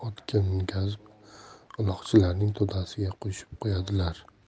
otga mingazib uloqchilarning to'dasiga qo'shib qo'yadilar